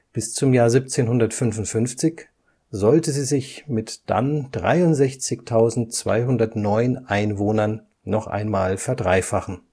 Bis zum Jahr 1755 sollte sie sich mit dann 63.209 Einwohnern noch einmal verdreifachen